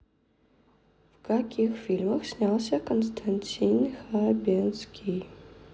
в каких фильмах снялся константин хабенский